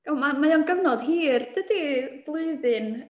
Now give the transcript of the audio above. O mae mae o'n gyfnod hir dydy, blwyddyn?